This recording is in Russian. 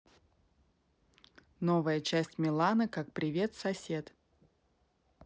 новая часть милана как привет сосед